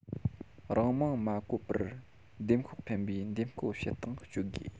རང མིང མ བཀོད པར འདེམས ཤོག འཕེན པའི འདེམས བསྐོ བྱེད སྟངས སྤྱོད དགོས